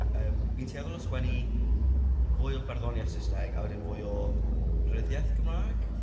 Yym, fi'n tueddol o sgwennu fwy o barddoniaeth Saesneg a wedyn fwy o ryddiaith Gymraeg.